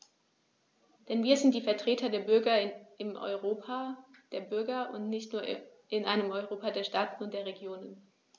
Denn wir sind die Vertreter der Bürger im Europa der Bürger und nicht nur in einem Europa der Staaten und der Regionen.